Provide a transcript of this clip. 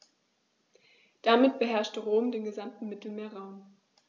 Damit beherrschte Rom den gesamten Mittelmeerraum.